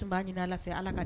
' ɲini lafi fɛ ala ka